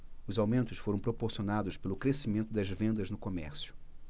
os aumentos foram proporcionados pelo crescimento das vendas no comércio